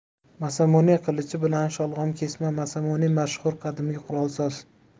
masamune qilichi bilan sholg'om kesma masamune mashhur qadimgi qurolsoz